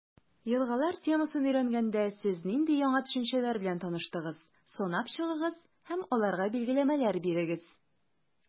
«елгалар» темасын өйрәнгәндә, сез нинди яңа төшенчәләр белән таныштыгыз, санап чыгыгыз һәм аларга билгеләмәләр бирегез.